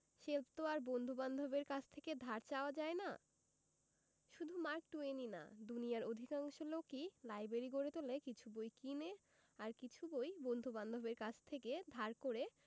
shelf তো আর বন্ধুবান্ধবের কাছ থেকে ধার চাওয়া যায় না শুধু মার্ক টুয়েনই না দুনিয়ার অধিকাংশ লোকই লাইব্রেরি গড়ে তোলে কিছু বই কিনে আর কিছু বই বন্ধুবান্ধবের কাছ থেকে ধার করে